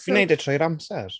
So...Fi'n wneud e trwy'r amser.